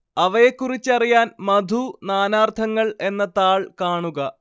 അവയെക്കുറിച്ചറിയാൻ മധു നാനാർത്ഥങ്ങൾ എന്ന താൾ കാണുക